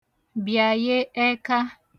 bịaye ẹka